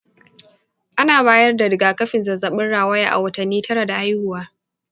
ana bayar da rigakafin zazzabin rawaya a watanni tara da haihuwa.